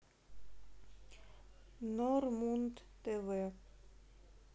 нормунд тв